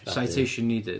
Citation needed.